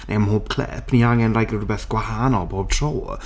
neu ym mhob clip." Ni angen like rhywbeth gwahanol bob tro.